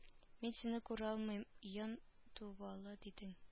Мин сине күралмыйм ен тубалы дидең